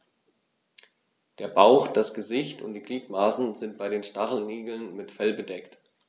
Der Bauch, das Gesicht und die Gliedmaßen sind bei den Stacheligeln mit Fell bedeckt.